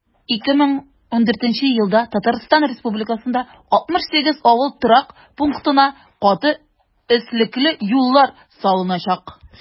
2014 елда татарстан республикасында 68 авыл торак пунктына каты өслекле юллар салыначак.